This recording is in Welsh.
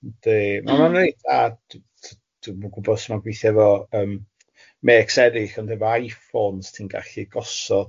Yndi ma nhw'n reit dda, dwi'm yn gwybod sud ma'n gweithio efo yym mecs erill ond efo Iphones ti'n gallu gosod,